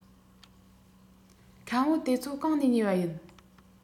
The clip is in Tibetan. ཁམ བུ དེ ཚོ གང ནས ཉོས པ ཡིན